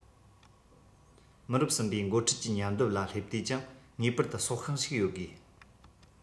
མི རབས གསུམ པའི འགོ ཁྲིད ཀྱི མཉམ བསྡེབ ལ སླེབས དུས ཀྱང ངེས པར དུ སྲོག ཤིང ཞིག ཡོད དགོས